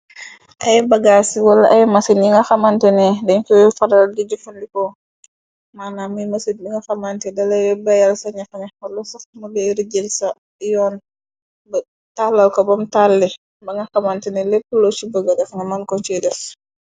Ay bagaasi, wala ay masin yi nga xamantene dañ koy faral di jëfëndeko. Maanaam muy masin bi nga xamante dalay bayyal sa ñax mu ngee rijjil sa yoon, mu tàllal ko bam tàlli ba nga xamante ne lepp, lo ci bëgga def nga muñg ko si def.